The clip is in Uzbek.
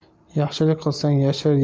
yaxshilik qilsang yashir